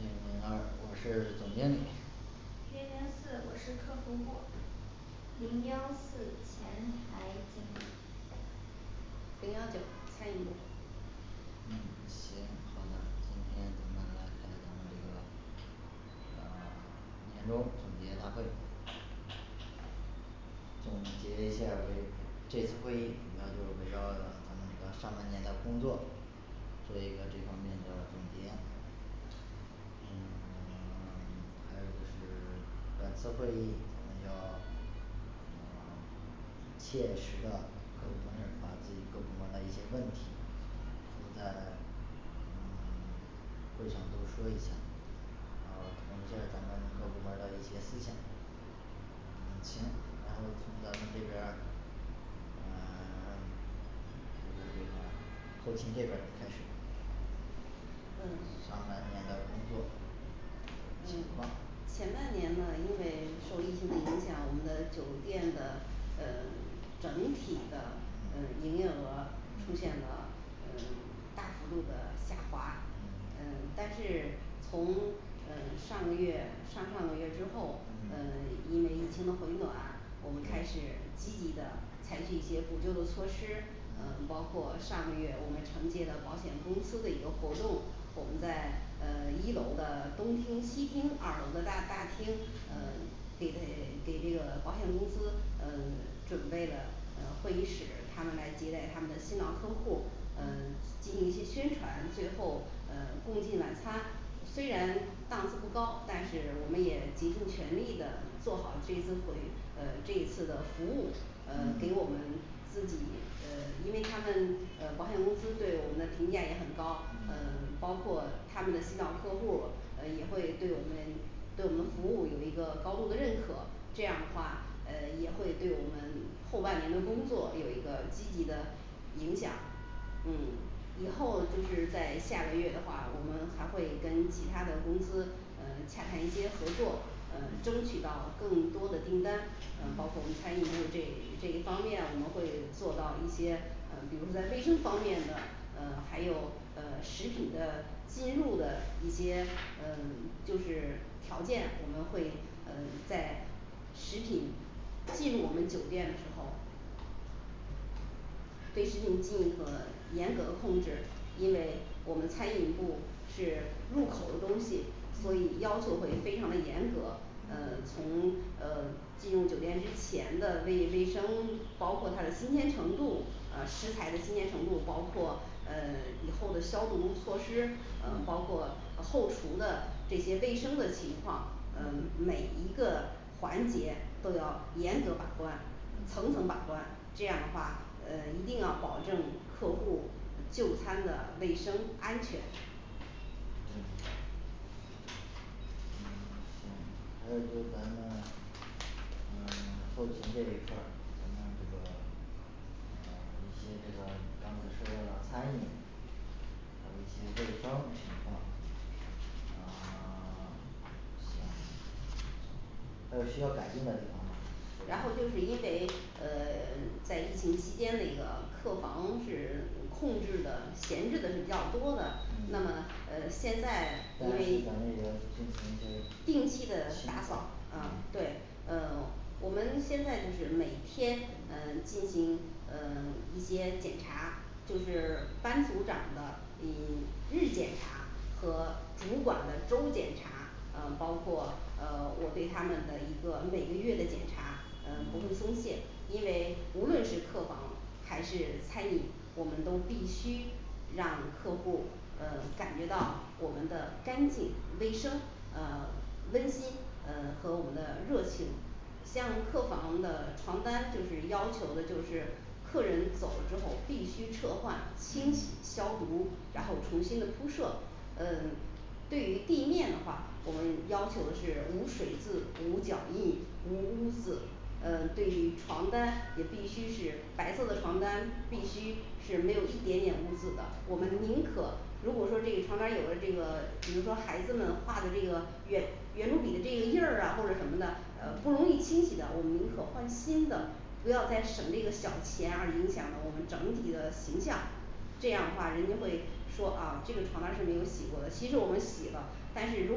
零零二我是 总经理零零四我是客服部零幺四前台部零幺九餐饮部嗯行，好的，今天咱们来开咱们这个呃 年终总结大会总结一下儿，关于这次会议咱们就是围绕着咱们那个上半年的工作，做一个这方面的总结。嗯 还有就是 本次会议我们要呃切实的各部门儿把自己各部门儿的一些问题都再，嗯 互相都说一下，然后统一下儿咱们各部门儿的一些思想嗯，行，然后从咱们这边儿呃 这个这个后勤这边儿开始嗯，上半年的工作情嗯况，前半年呢因为受疫情的影响，我们的酒店的呃整体的嗯嗯营业额出嗯现了嗯大幅度的下滑。嗯嗯但是从嗯上个月上上个月之后，嗯嗯因为疫情的回暖，我们开始嗯积极的采取一些补救的措施，嗯包嗯括上个月我们承接了保险公司的一个活动，我们在嗯一楼的东厅、西厅二楼的大大厅嗯嗯给他给这个保险公司嗯准备了嗯会议室，他们来接待他们的新老客户，嗯嗯进行一些宣传，最后呃共进晚餐，虽然档次不高，但是我们也竭尽全力的做好这次会呃这次的服务，呃嗯给我们自己，呃因为他们呃保险公司对我们的评价也很高，嗯嗯包括他们的新老客户嗯也会对我们对我们服务有一个高度的认可这样的话呃也会对我们后半年的工作有一个积极的影响。 嗯，以后就是在下个月的话，我们还会跟其他的公司嗯 洽谈一些合作嗯，嗯争取到更多的订单。呃包括我嗯们餐饮部这这一方面，我们会做到一些嗯比如说在卫绿方面的，呃还有呃食品的进入的一些呃 就是条件，我们会呃 在食品进入我们酒店的时候，对食品进和严格的控制，因为我们餐饮部是入口的东西，所嗯以要求会非常的严格。呃嗯从呃进入酒店之前的卫卫生，包括它的新鲜程度，呃食材的新鲜程度，包括呃以后的消毒措施，呃包嗯括后厨的这些卫生的情况嗯嗯每一个环节都要严格把关，层层嗯把关，这样的话呃一定要保证客户就餐的卫生安全。嗯嗯 行，还有就咱们嗯 后勤这一块儿，咱们这个呃 一些这个刚才说到了餐饮和一些卫生情况啊 行，还有需要改进的地方吗然后就是因为呃在疫情期间那个，客房是空置的闲置的是比较多的，那么嗯呃现在咱因们为也要进行一些定期的清打扫扫，啊嗯对呃我们现在就是每天呃进行呃一些检查，就是班组长的一日检查和主管的周检查，呃包括呃我对他们的一个每个月的检查呃不会嗯松懈，因为无论是客房还是餐饮，我们都必须让客户呃感觉到我们的干净、卫生、呃温馨呃和我们的热情，像客房的床单就是要求的就是客人走了之后必须撤换清洗嗯消毒，然后重嗯新的铺设。呃对于地面的话，我们要求的是无水渍无脚印无污渍，呃嗯对床单也必须是白色的床单必须是没有一点点污渍的，我们嗯宁可如果说这个床单有了这个，比如说孩子们画的这个圆圆，珠笔的这个印儿啊或者什么的呃不容嗯易清洗的，我们宁可换新的，不要再省这个小钱，而影响了我们整体的形象，这样的话人就会说啊这个床单儿是没有洗过的，其实我们洗啦但是如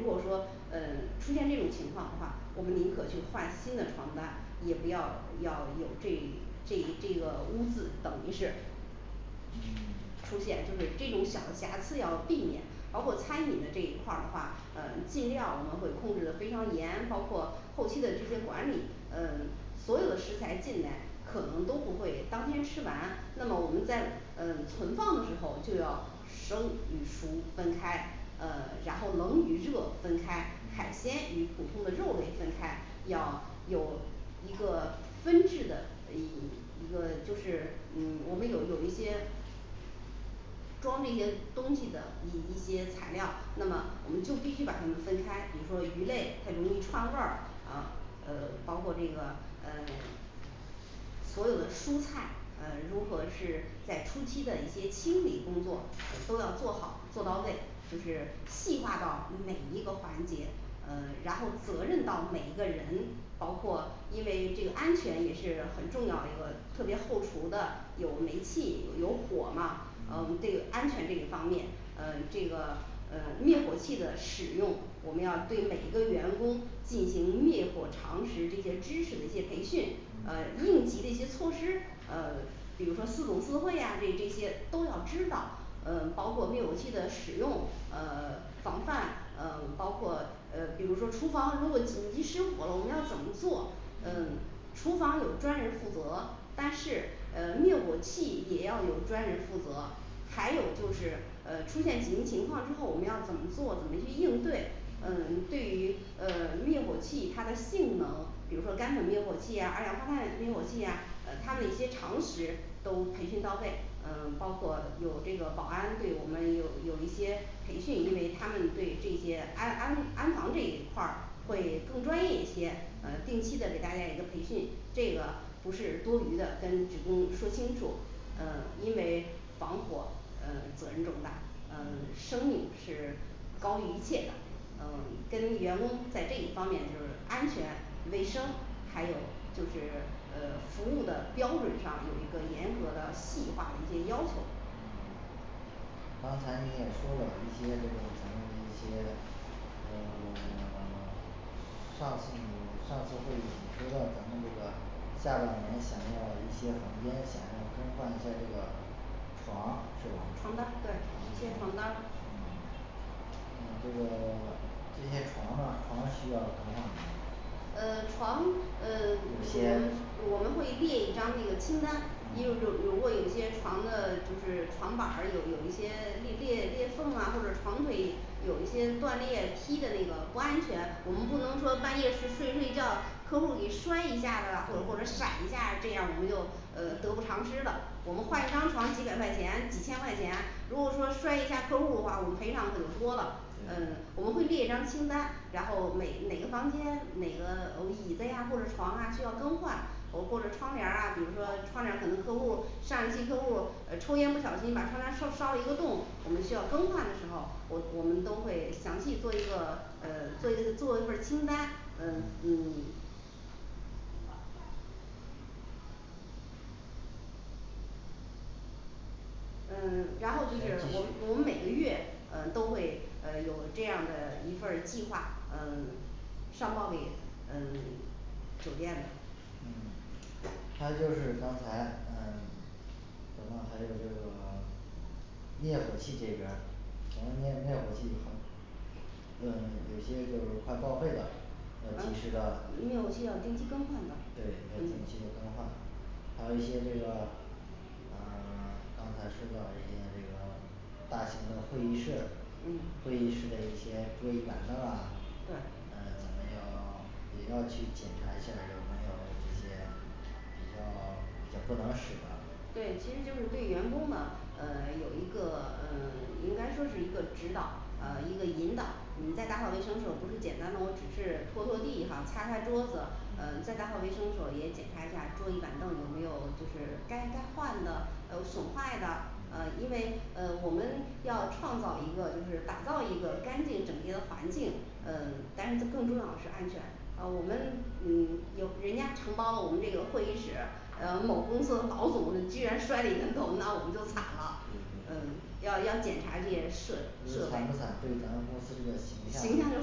果说呃 出现这种情况的话，我们宁可去换新的床单，也不要要有这这这个污渍，等于是嗯 出现就是这种小瑕疵，要避免包括餐饮的这一块儿的话，呃尽量我们会控制得非常严，包括后期的这些管理，呃所有的食材进来可能都不会当天吃完，那么我们在呃存放的时候就要生与熟分开，呃然后冷与热分开，海鲜嗯与普通的肉类分开，要嗯有一个分置的一一个就是嗯我们有有一些装这些东西的一一些材料，那么我们就必须把它们分开，比如说鱼类它容易串味儿啊呃包括这个呃所有的蔬菜呃如何是在初期的一些清理工作呃都要做好做到位，就是嗯细化到每一个环节，呃然后责任到每一个人，包括因为这个安全也是很重要的一个，特别后厨的有煤气有火嘛，呃我们嗯对安全这个方面呃这个呃灭火器的使用，我们要对每一个员工进行灭火常识，这些知识的一些培训，呃应嗯急的一些措施，呃比如说四懂四会呀这这些都要知道，呃包括灭火器的使用呃防范呃，包括呃比如说厨房如果紧急失火了，我们要怎么做？呃嗯厨房有专人负责，但是呃灭火器也要有专人负责，还有就是呃出现紧急情况之后我们要怎么做怎么去应对，呃对于呃灭火器它的性能比如说干粉灭火器呀，二氧化碳灭火器呀，呃他们一些常识都培训到位，呃包括有这个保安对我们有有一些培训，因为嗯他们对这些安安安防这一块儿会嗯更专业一些，呃定期的给大家一个培训，这个不是多余的跟职工说清楚，呃嗯因为防火呃责任重大，呃嗯生命是高于一切的，呃跟员工在这一方面就是安全卫生还有就是呃服务的标准上有一个严格的细化的一些要求。嗯刚才你也说了一些这个咱们这一些呃 上次你上次会议你说到咱们这个下半年想要一些房间想要更换一些这个床对吧，床单，对一些床单。嗯这个 这些床呢，床需要更换吗，呃，床呃一些嗯我们会列一张那个清单，因为嗯如如果有一些床的就是床板儿有有一些裂裂裂缝啊或者床腿有一些断裂劈的那个不安全，我们不嗯能说半夜睡着睡觉客户给摔一下子啊或或者闪嗯一下，这样我们就呃得不偿失嗯了。我们换一张床嗯几百块钱几千块钱，如果说摔一下客户的话，我们赔偿很多了嗯嗯我们会列一张清单，然后哪哪个房间哪个噢椅子呀或者床啊需要更换噢或者窗帘儿啊，比如说窗帘儿可能客户上一期客户呃抽烟不小心把窗帘烧烧了一个洞，我们需要更换的时候我我们都会详细做一个呃做做一份儿清单。 呃你嗯，然后就咱们是继我们续我们每个月嗯都会呃有这样的一份儿计划嗯上报给嗯酒店的。嗯他就是刚才嗯咱们还有这个灭火器这边儿墙面灭火器，嗯有些就是快报废的，要及时的，灭火器是定期更换的，对，要嗯定期的更换还有一些这个呃 刚才说到这些这个大型的会议室嗯，会议室的一些桌椅板凳啊，呃对咱们要也要去检查一下儿有没有这些比较 已经不能使的对其实就是对员工呢呃有一个呃应该说是一个指导呃一个嗯引导，你在打扫卫生时候不是简单的，只是拖拖地哈擦擦桌子，嗯在嗯打扫卫生的时候也检查一下桌椅板凳有没有就是该该换的呃损坏的，呃嗯因为呃我们要创造一个就是打造一个干净整洁的环境，呃嗯但是更重要的是安全。呃我们嗯有人家承包了我们这个会议室，呃某公司的老总居然摔了一跟头 那我们就惨了嗯，嗯嗯嗯，要要检查这些设设备惨不惨对咱们公司这个，形形象象就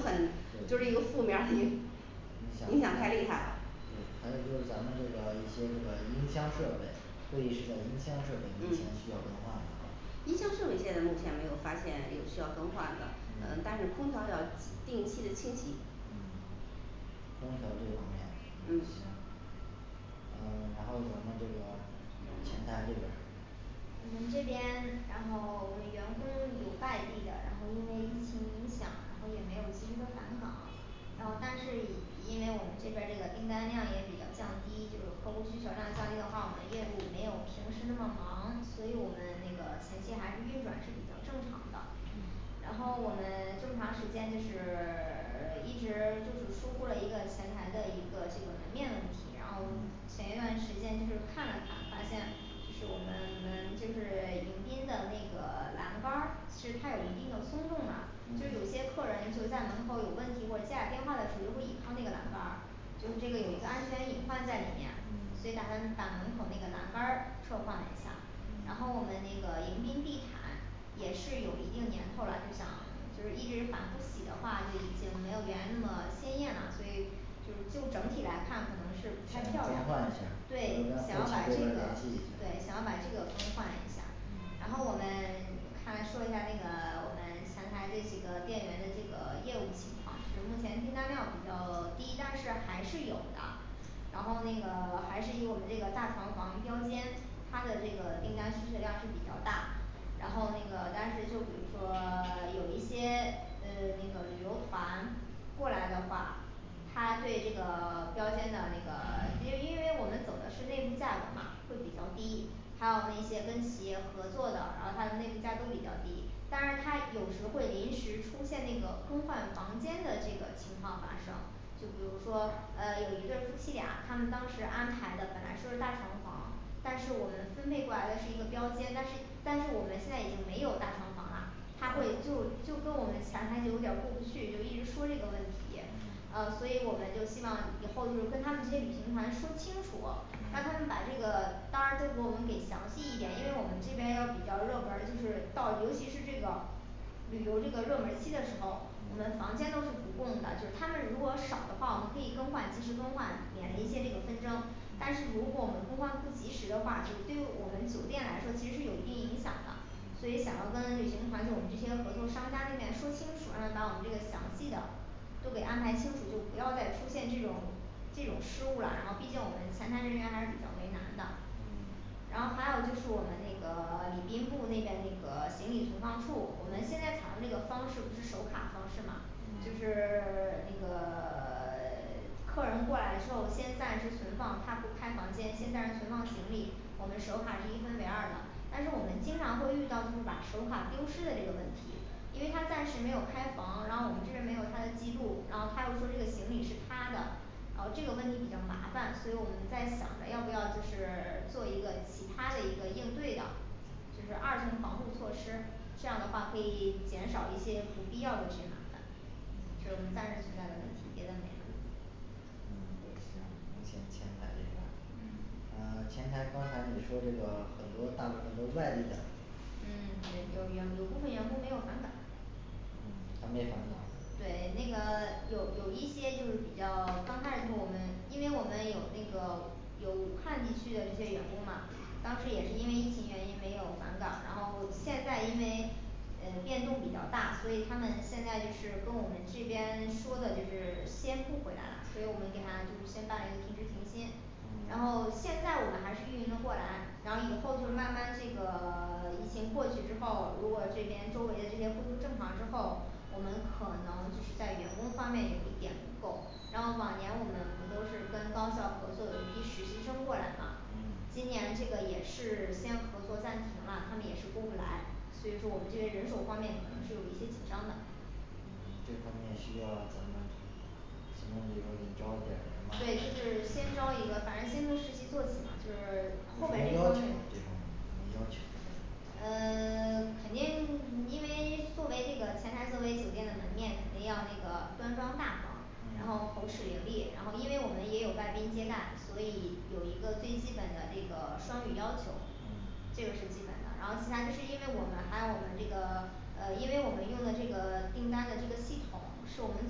很就就是是有负面儿 影影响响太厉害了对，还有就是咱们这个一些这个音箱设备，会议室的音箱设备目前嗯需要更换吗音箱设备现在目前没有发现有需要更换的，呃但嗯是空调要定期的清洗。嗯空调这方面，嗯，嗯行，嗯 然后咱们这个前台这边儿我们这边然后我们员工有外地的，然后因为疫情影响然后也没有及时的返岗哦嗯但是因为我们这边儿这个订单量也比较降低，这个客户需求量降低的话，我们业务没有平时那么忙，所以我们那个前期还是运转是比较正常的。嗯然后我们这么长时间就是 一直就是疏忽了一个前台的一个这个门面问题，然后嗯前一段时间就是看了看发现这是我们门就是迎宾的那个栏杆儿，其实它有一定的松动了就嗯有些客人就在门口有问题，或者接打电话的时候儿如果依靠那个栏杆儿，嗯这个有一个安全隐患在里面嗯，所以打算把门口那个栏杆儿撤换一下，然嗯后我们那个迎宾地毯也是有一定年头儿了，就想就是一直反复洗的话，就已经没有原来那么鲜艳了，所以就嗯就整体来看可能是不咱太们漂更换亮一了下儿，，就是对在后，期想要给把我这联系一个下儿，对想要把这个更换一下嗯然后我们看说一下那个我们谈谈这几个店员的这个业务情况，是目前订单量比较低，但是还是有的然后那个还是以我们这个大床房标间它的这个订单需求量是比较大，然后那个但是就比如说 有一些呃那个旅游团过来的话嗯他对这个 标间的那个， 因为因为我们走的是内部价格嘛会比较低，还有那些跟企业合作的，然后它的内部价儿都比较低，但是它有时会临时出现那个更换房间的这个情况发生。就比如说呃有一对儿夫妻俩，他们当时安排的本来说是大床房但是我们分配过来的是一个标间，但是但是我们现在已经没有大床房啦他会啊就就跟我们前台有点儿过不去，就一直说这个问题嗯呃所以我们就希望以后就跟他们这些旅行团说清楚，让他嗯们把这个单儿都给我们给详细一点，因为我们这边要比较热门儿就是到，尤其是这个旅游这个热门儿期的时候，我们嗯房间都是不供的，就是他们如果少的话我们可以更换及时更换，免一些这个纷争，但是如果我们更换不及时的话，就对于我们酒店来说其实是有一定影响的。嗯所以想要跟旅行团就我们这些合作商家那边说清楚，让他把我们详细的都给安排清楚，就不要再出现这种这种失误了，然后毕竟我们前台人员还是比较为难的嗯。然后还有就是我们那个礼宾部那边那个行李存放处，我们现嗯在采用这个方式不是手卡方式嘛就嗯是 那个 客人过来之后先暂时存放，他不开房间，先暂时存放行李，我们手卡是一分为二的但是我们经常会遇到就是把手卡丢失的这个问题，因为他暂时没有开房，然后我们这边儿没有他的记录，然后他又说这个行李是他的哦，这个问题比较麻烦，所以我们在想着要不要就是 做一个其它的一个应对的就是二层防护措施，这样的话可以减少一些不必要的这些麻烦嗯。这是暂时存在的问题，别的没了。嗯，行，目前前台这边儿呃前台刚才你说这个很多大部分都是外地的，嗯对，有员工部分员工没有返岗嗯，还没返岗对，那个有有一些就是比较刚开始时候我们因为我们有那个有武汉地区的这些员工嘛当时也是因为疫情原因没有返岗，然后现在因为呃变动比较大，所以他们现在就是跟我们这边说的就是先不回来了，所以我们给他就是先办一个停职停薪。然嗯后现在我们还是运营的过来，然后以后就是慢慢这个 疫情，过去之后，如果这边周围的这些恢复正常之后，我们可能就是在员工方面有一点不够，然后往年我们不都是跟高校合作，有一批实习生过来嘛嗯，今年这个也是 先合作暂停了，他们也是过不来，所以说我们这边人手儿方面可能是有一些紧张的嗯，这方面需要咱们行政这边儿给招点儿人对吧，，就是先招一个，反正先从实习做起嘛，就是什后么边这一方要求面吗这方面什么要求。嗯 肯定因为作为这个前台作为酒店的门面肯定要那个端庄大方然嗯后口齿伶俐，然后因为我们也有外宾接待，所以有一个最基本的这个双语要求嗯，这个是基本的，然后其他这是因为还有我们这个呃因为我们用的这个 订单的这个系统是我们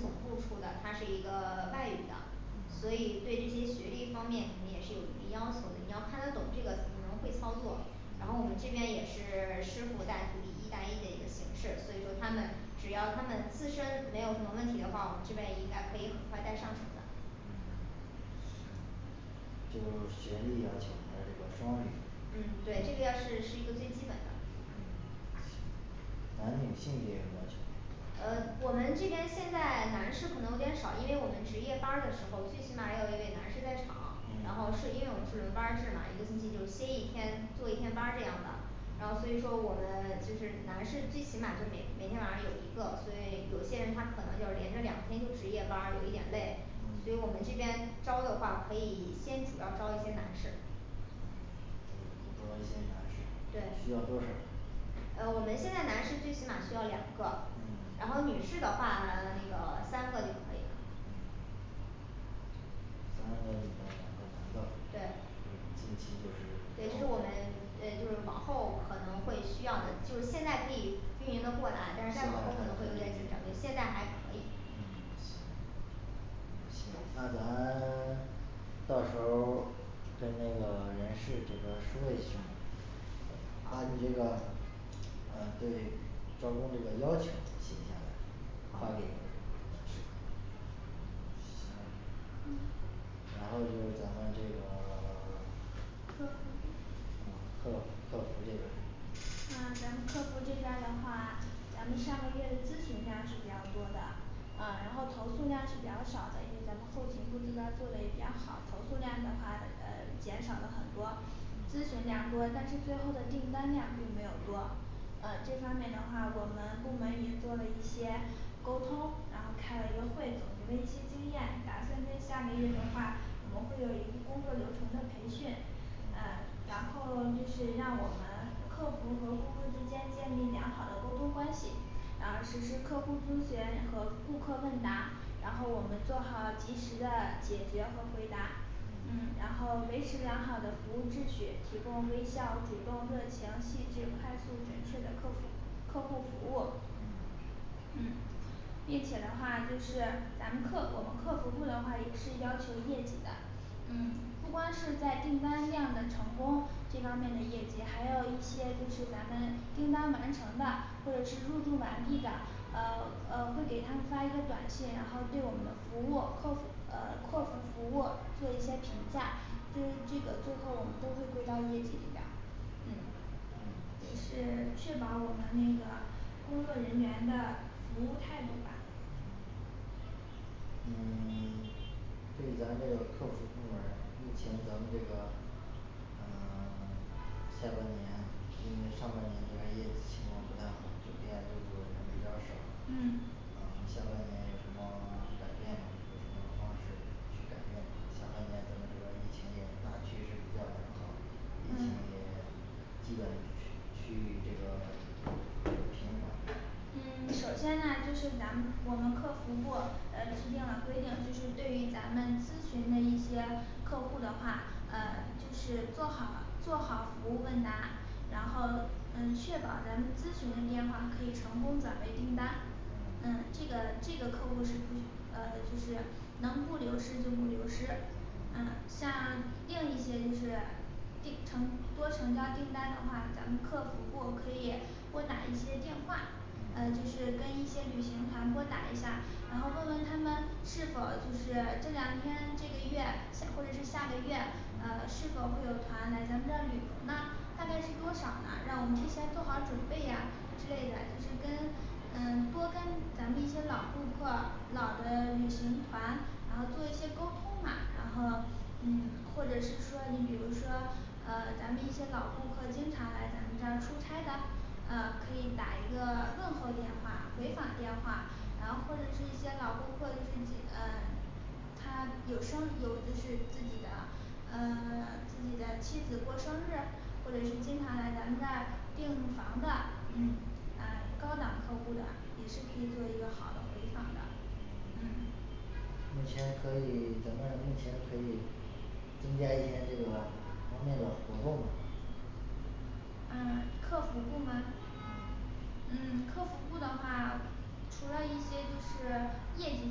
总部出的，它是一个 外语的，嗯所以对这些学历方面你也是有一定要求的，你要看得懂这个可能会操作。然后我嗯们这边也是师傅带徒弟一带一的一个形式，所以说他们只要他们自身没有什么问题的话，我们这边也应该可以很快带上手的。嗯 行就说学历要求还有这个双语，嗯，对，这个要是是一个最基本的嗯行男女性别有要求吗呃我们这边现在男士可能有点少，因为我们值夜班儿的时候，最起码要有一位男士在场，然后嗯是因为我们是轮班儿制嘛，一个星期就歇一天做一天班儿这样的。然后所以说我们就是男士最起码就每每天晚上有一个，所以有些人他可能就连着两天就值夜班儿，有一点累，所以我们嗯这边招的话可以先主要招一些男士嗯，先招一些男士，对需要多少呢呃我们现在男士最起码需要两个，嗯 然后女士的话呢那个三个就可以了三个女的两个男对的，嗯近期就是对，也是我们就是往后可能会需要的，就是现在可以运营的过来，但是再往后可能会有点儿紧张对现在还可以嗯行嗯行，那咱 到时候儿跟那个人事这边儿说一声，按这个嗯对招工这个要求写下来。发给人好事。行。嗯然后就是咱们这个 客服嗯客客服这边儿。嗯咱们客服这边儿的话咱们上个月咨询量是比较多的，呃，然后投诉量是比较少的，因为咱们后勤部这边儿做的也比较好，投诉量的话呃 减少了很多咨嗯询量多，但是最后的订单量并没有多。呃这方面的话我们部门也做了一些沟通，然后开了一个会总结了一些经验，打算在下个月的话，我们会有一个工作流程的培训，嗯嗯然后 就是让我们客服儿和顾客之间建立良好的沟通关系，然后实时客户儿咨询和顾客问答，然后我们做好及时的解决和回答，嗯嗯然后维持良好的服务秩序，提供微笑主动、热情细致快速准确的客服客户服务嗯。嗯并且的话就是咱们客服客服部的话也是要求业绩的嗯 不光是在订单量的成功这方面的业绩还有一些就是咱们订单完成的或者是入住完毕的，呃呃会给他们发一些短信，然后对我们的服务客呃客服服务做一些评价，因为这个最后我们都会归到业绩里面儿嗯嗯也是确保我们那个工作人员的服务态度吧嗯嗯 对咱这个客服部门儿，目前咱们这个呃 下半年因为上半年这个业绩情况不太好，酒店入住的人比较嗯少然后下半年有什么 改变吗？有什么方式？去改变吗下半年我们这边疫情也是大趋势比较良好。疫情嗯也基本趋趋于这个平稳嗯 首先呢就是咱们我们客服部呃制定了规定，就是对于咱们咨询的一些客户的话呃嗯就是做好做好服务问答，然嗯后嗯确保咱们咨询的电话可以成功转为订单，嗯嗯，这个这个客户是呃就是能不流失就不流失。嗯嗯，像另一些就是订成多成交订单的话，咱们客服部可以拨打一些电话，嗯嗯就是跟一些旅行团拨打一下，然后问问他们是否就是这两天这个月或者是下个月呃是否会有团来，咱们这儿旅游呢大概是嗯多少呢让我们提前做好准备呀之类的嗯？ 就跟嗯多跟咱们一些老顾客老的旅行团，然后做一些沟通嘛，然后嗯或者是说到你比如说呃咱们一些老顾客经常来咱们这儿出差的呃可以打一个问候电话回访嗯电话，然后或者是一些老顾客，就是几 呃嗯他有生有就是自己的呃 自己的妻子过生日或者是经常来咱们这儿订房的嗯嗯呃高档客户的，也是可以做一个好的回访的。嗯嗯目前可以咱们目前可以增加一些这个方面的活动啊嗯，客服部门嗯，嗯，客服部的话，除了一些就是业绩